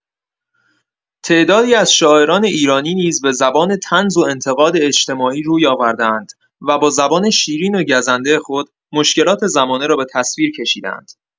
تعدادی از شاعران ایرانی نیز به زبان طنز و انتقاد اجتماعی روی آورده‌اند و با زبان شیرین و گزنده خود، مشکلات زمانه را به تصویر کشیده‌اند.